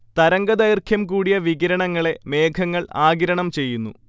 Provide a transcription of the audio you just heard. തരംഗദൈർഘ്യം കൂടിയ വികിരണങ്ങളെ മേഘങ്ങൾ ആഗിരണം ചെയ്യുന്നു